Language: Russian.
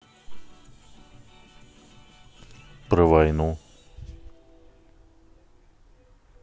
про войну